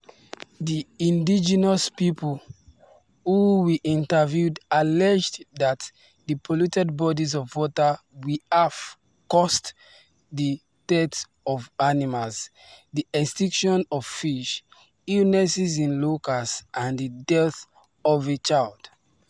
The Indigenous people who we interviewed alleged that the polluted bodies of water have caused the deaths of animals, the extinction of fish, illnesses in locals, and the death of a child.